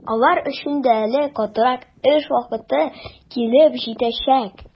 Алар өчен дә әле катырак эш вакыты килеп җитәчәк.